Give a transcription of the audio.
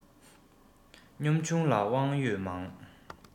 སྙོམས ཆུང ལ དབང ཡོད མང